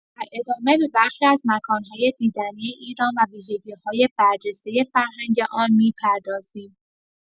در ادامه به برخی از مکان‌های دیدنی ایران و ویژگی‌های برجسته فرهنگ آن می‌پردازیم.